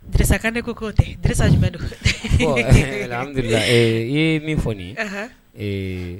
Dirisa Kane k’o tɛ, Dirisa jumɛn don? bon alhamdoulahi i ye min fɔ ni ye, Ɔnhɔn, ee